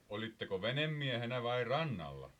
olitteko venemiehenä vai rannalla